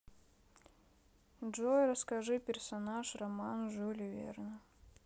джой расскажи персонаж роман жюле верна